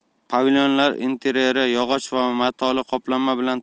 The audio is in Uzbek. pavilonlar intereri yog'och va matoli qoplama bilan